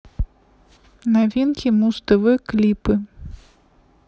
новинки муз тв клипы